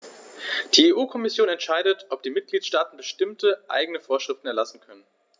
Die EU-Kommission entscheidet, ob die Mitgliedstaaten bestimmte eigene Vorschriften erlassen können.